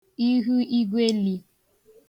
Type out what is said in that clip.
ihuigweli